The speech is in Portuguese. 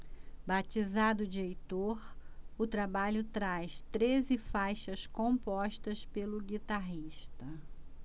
batizado de heitor o trabalho traz treze faixas compostas pelo guitarrista